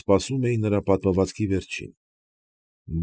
Ես լսում էի նրա պատմվածքի վերջին։